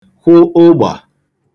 kwụ ụgbà